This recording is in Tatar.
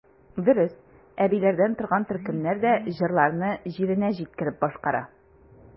Дөрес, әбиләрдән торган төркемнәр дә җырларны җиренә җиткереп башкара.